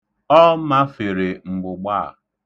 Ọ mafere mgbụgba a.